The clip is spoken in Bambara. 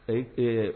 Ayi ɛɛ